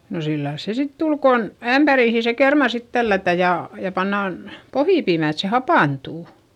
no sillä lailla se sitten tuli kun ämpäriin se kerma sitten tällätään ja ja pannaan pohjapiimää että se hapantuu